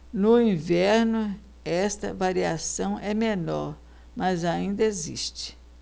no inverno esta variação é menor mas ainda existe